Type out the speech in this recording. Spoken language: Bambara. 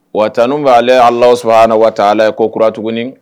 Wa tan ninnu bɛ ale ala sɔrɔ waa ala ye ko kura tugun